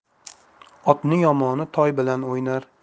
otning yomoni toy bilan o'ynar